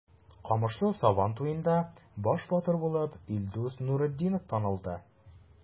Камышлы Сабан туенда баш батыр булып Илдус Нуретдинов танылды.